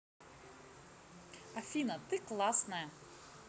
афина ты классная